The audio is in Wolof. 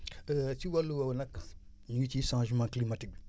ci wàllu woowu nag ñu ngi ci changement climatique bi